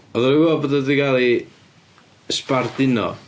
Oeddan nhw'n gwybod bod o 'di cael ei sbarduno...